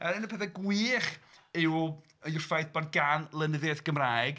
Un o'r pethau gwych yw yw'r ffaith bod gan lenyddiaeth Gymraeg...